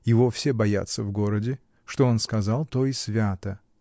Его все боятся в городе: что он сказал, то и свято.